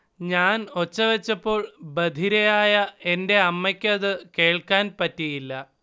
ഞാൻ ഒച്ച വെച്ചപ്പോൾ ബധിരയായ എന്റെ അമ്മയ്ക്കതു കേൾക്കാൻ പറ്റിയില്ല